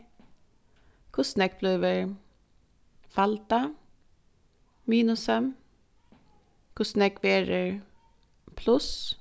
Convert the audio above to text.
hvussu nógv blívur falda minusa hvussu nógv verður pluss